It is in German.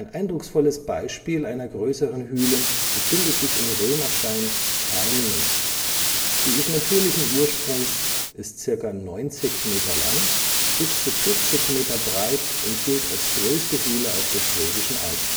eindrucksvolles Beispiel einer größeren Hüle befindet sich in Römerstein-Zainingen. Sie ist natürlichen Ursprungs, ist circa 90 Meter lang, bis zu 40 Meter breit und gilt als größte Hüle auf der Schwäbischen Alb